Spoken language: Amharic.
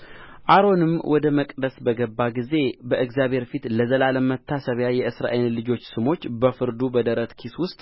አሮንም ወደ መቅደስ በገባ ጊዜ በእግዚአብሔር ፊት ለዘላለም መታሰቢያ የእስራኤልን ልጆች ስሞች በፍርዱ በደረት ኪስ ውስጥ